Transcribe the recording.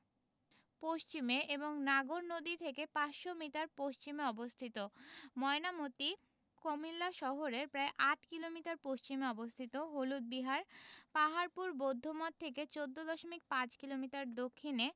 পশ্চিমে এবং নাগর নদী থেকে ৫০০ মিটার পশ্চিমে অবস্থিত ময়নামতি কুমিল্লা শহরের প্রায় ৮ কিলোমিটার পশ্চিমে অবস্থিত হলুদ বিহার পাহাড়পুর বৌদ্ধমঠ থেকে ১৪দশমিক ৫ কিলোমিটার দক্ষিণে